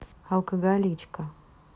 алкоголичка